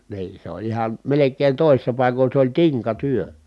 niin se oli ihan melkein toisissa paikoin se oli tinkatyö